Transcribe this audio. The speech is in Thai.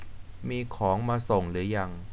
มีของมาส่งรึยัง